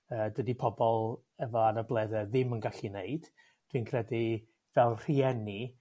yrr dydi pobol efo anabledde ddim yn gallu wneud, dwi'n credu fel rhieni